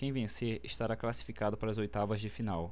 quem vencer estará classificado para as oitavas de final